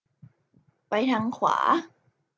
ไปทางขวา